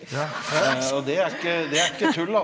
uffa meg .